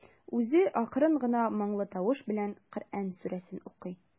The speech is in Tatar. Үзе акрын гына, моңлы тавыш белән Коръән сүрәсен укый.